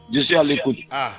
je suis à l'écoute Aa